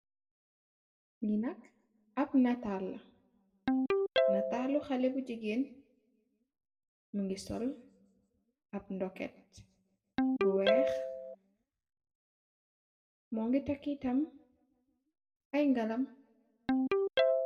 Li nak ap netal la netali xalen bu jigeen mogi sol ap nduket bu weex mogi taki tam ay ngalam.